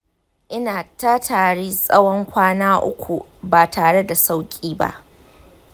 ina ta tari tsawon kwana uku ba tare da sauƙi ba.